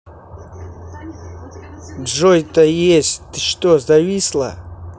джой то есть ты что зависла